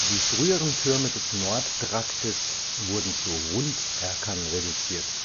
Die früheren Türme des Nordtraktes wurden zu Runderkern reduziert